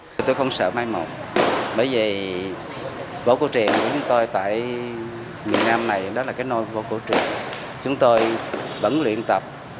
chúng tôi không sợ mai một bởi vì võ cổ truyền của chúng tôi tại miền nam này đó là cái nôi võ cổ truyền chúng tôi vẫn luyện tập